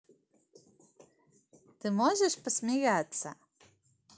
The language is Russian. ты можешь посмеяться